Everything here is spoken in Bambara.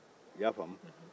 ya faamu